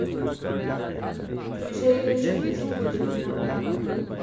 hví segði tú ikki at tú ikki dugdi at svimja